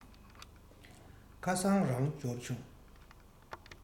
ཁ སང རང འབྱོར བྱུང